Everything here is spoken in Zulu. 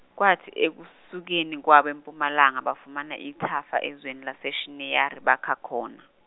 kwathi ekusukeni kwabo eMpumalanga bafumana ithafa ezweni laseShineyari bakha khona.